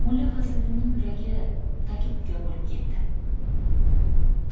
mulla fazliddinning yuragi taka puka bo'lib ketdi